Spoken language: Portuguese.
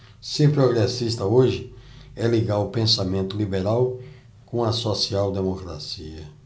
ser progressista hoje é ligar o pensamento liberal com a social democracia